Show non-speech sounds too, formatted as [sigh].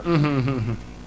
[hesitation] [hesitation] [hesitation] [hesitation]